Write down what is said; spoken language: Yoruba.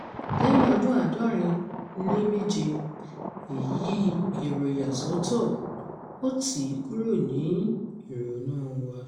Lẹ́yìn ọdún 77, èyí [èrò ìyàsọ́tọ̀] ò tí ì kúrò ní ìrònúu wa.